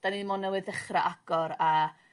'Dan ni mond newydd dechra agor a